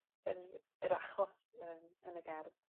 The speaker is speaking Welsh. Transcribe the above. yr yr achos yn yn y gerdd.